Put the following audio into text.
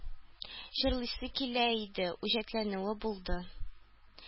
Җырлыйсы килә иде, үҗәтләнүе булды